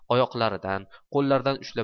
qo'llaridan ushlab